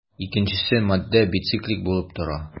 Икенчесе матдә бициклик булып тора.